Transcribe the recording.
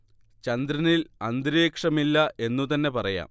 ചന്ദ്രനിൽ അന്തരീക്ഷം ഇല്ല എന്നു തന്നെ പറയാം